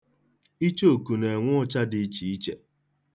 Ichooku na-enwe ụcha dị iche iche.